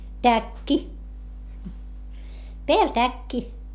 täkki päällä täkki